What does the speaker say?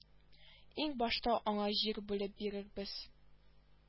Иң башта аңа җир бүлеп бирербез